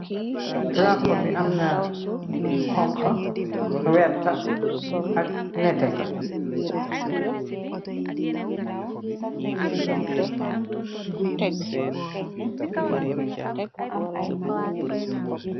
Drapeau bii amna honha, vertah ak nehteh.